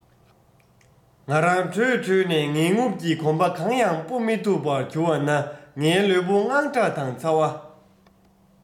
ང རང བྲོས བྲོས ནས ངལ དུབ ཀྱིས གོམ པ གང ཡང སྤོ མི ཐུབ པར གྱུར བ ན ངའི ལུས པོ དངངས སྐྲག དང ཚ བ